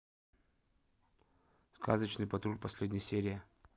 сказочный патруль последняя серия